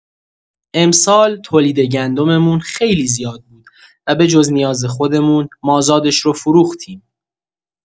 امسال تولید گندم‌مون خیلی زیاد بود و به‌جز نیاز خودمون، مازادش رو فروختیم.